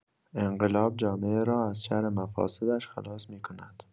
انقلاب جامعه را از شر مفاسدش خلاص می‌کند.